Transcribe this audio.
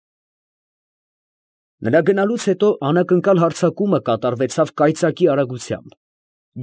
Նրա գնալուց հետո անակնկալ հարձակումը կատարվեցավ կայծակի արագությամբ։